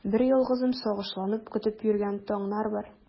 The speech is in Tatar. Берьялгызым сагышланып көтеп йөргән таңнар бар.